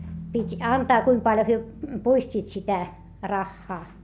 piti antaa kuinka paljon he puistivat sitä rahaa